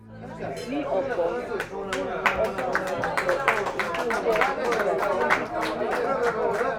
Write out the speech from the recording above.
Ní ọ̀pọ̀ ọ̀nà, tí ó ju ọgọ́rùn-ún ọdún lọ, èyí tí ó jẹ́ ìgbà tí ó gùn jù fún èèyàn láti lò.